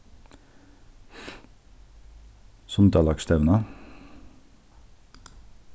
sundalagsstevna